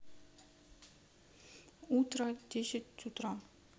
утра десять утра